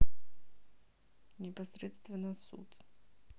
непосредственно суд